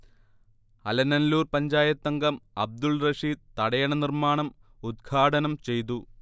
അലനല്ലൂർ പഞ്ചായത്തംഗം അബ്ദുൾറഷീദ് തടയണ നിർമാണം ഉദ്ഘാടനംചെയ്തു